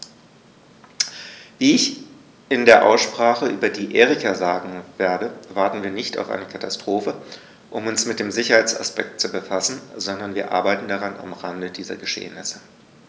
Wie ich in der Aussprache über die Erika sagen werde, warten wir nicht auf eine Katastrophe, um uns mit dem Sicherheitsaspekt zu befassen, sondern wir arbeiten daran am Rande dieser Geschehnisse.